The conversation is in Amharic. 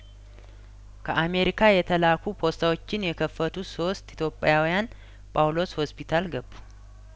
ከአሜሪካ የተላኩ ፖስታዎችን የከፈቱ ሶስት ኢትዮጵያውያን ጳውሎስ ሆስፒታል ገቡ